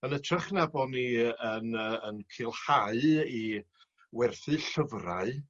Yn ytrach na bo' ni yn yy yn culhau i werthu llyfrau